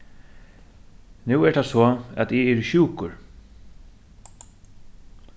nú er tað so at eg eri sjúkur